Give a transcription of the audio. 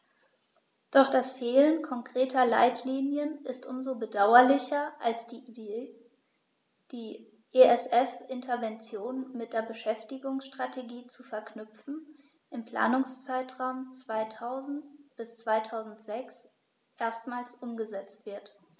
Doch das Fehlen konkreter Leitlinien ist um so bedauerlicher, als die Idee, die ESF-Interventionen mit der Beschäftigungsstrategie zu verknüpfen, im Planungszeitraum 2000-2006 erstmals umgesetzt wird.